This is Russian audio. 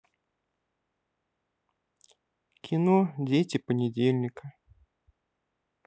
кино дети понедельника